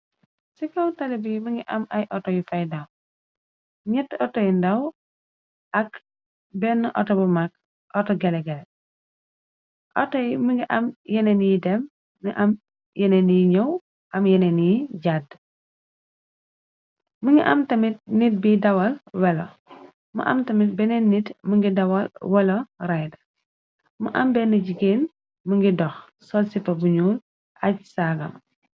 Ci kaw talabi, mi ngi am ay auto yu fay daw, ñett autoyi ndaw, dmu am tamit benneen nit , më ngi dawal well ridar, jigéen më ngi dox sol-sipa buñul, aj saagam.